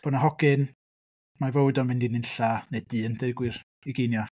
Bod 'na hogyn, ma' ei fywyd o'n mynd i nunlla, neu dyn deud gwir, ugeiniau.